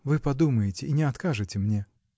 Вы подумаете -- и не откажете мне.